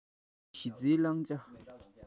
གཞི རྩའི བླང བྱ